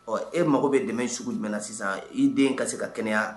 Ɔ e mago bɛ dɛmɛ sugu jumɛn na sisan i den ka se ka kɛnɛyaya